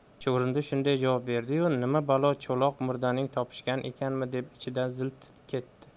chuvrindi shunday javob berdi yu nima balo cho'loq murdani topishgan ekanmi deb ichidan zil ketdi